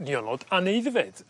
nionod anaeddfed